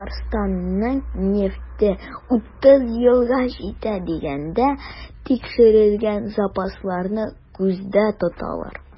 Татарстанның нефте 30 елга җитә дигәндә, тикшерелгән запасларны күздә тоталар.